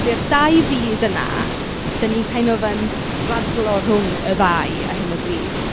Felly'r dau fyd yna dan ni'n kind of yn stradlo rhwng y ddau ar hyn o bryd.